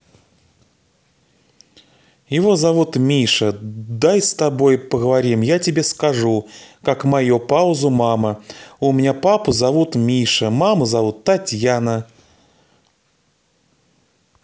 его зовут миша дай с тобой повторим я тебе скажу как мое паузу мама у меня папу зовут миша маму зовут татьяна